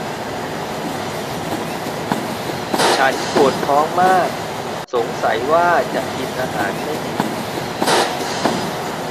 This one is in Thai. ฉันปวดท้องมากสงสัยว่าจะกินอาหารไม่ดี